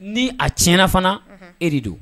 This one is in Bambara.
Ni a tiɲɛna fana. Unhun ! E de don.